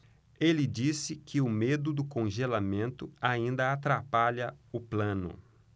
ele disse que o medo do congelamento ainda atrapalha o plano